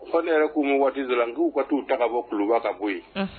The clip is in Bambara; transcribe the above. Fo ne yɛrɛ k'u ma waatiso la k'u ka t' u ta bɔ kuluba ka bɔ yen